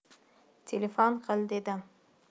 telefon qil dedim